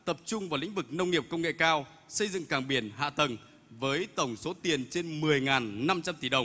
tập trung vào lĩnh vực nông nghiệp công nghệ cao xây dựng cảng biển hạ tầng với tổng số tiền trên mười ngàn năm trăm tỷ đồng